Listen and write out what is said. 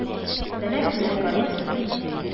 Сәләтле кыз.